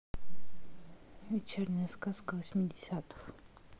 вечерняя сказка восьмидесятых